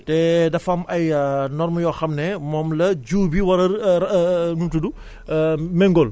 te dafa am ay normes yoo xam ne moom la jiw bi war a nu mu tudd méngóol